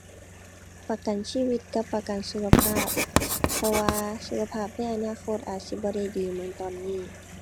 ประกันชีวิตกับประกันสุขภาพ เพราะว่าสุขภาพในอนาคตอาจสิบ่ได้ดีเหมือนตอนนี้